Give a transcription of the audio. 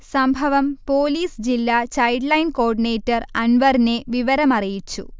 സംഭവം പോലീസ് ജില്ലാ child line coordinator അൻവറിനെ വിവരമറിയിച്ചു